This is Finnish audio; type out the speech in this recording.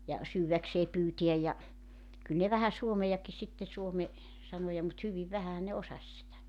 ja syödäkseen pyytää ja kyllä ne vähän suomeakin sitten suomen sanoja mutta hyvin vähänhän ne osasi sitä